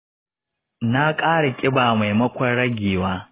na ƙara ƙiba maimakon ragewa.